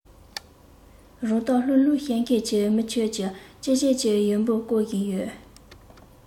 རང གཏམ ལྷུག ལྷུག བཤད མཁན གྱི མི ཁྱོད ཀྱིས ཅི བྱེད ཀྱིན ཡོད འབུ རྐོ བཞིན ཡོད